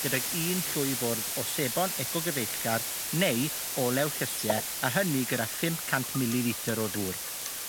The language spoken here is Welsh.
gydag un llwy fwrdd o sebon eco gyfeillgar neu olew llysie a hynny gyda phump cant mililitr o ddŵr.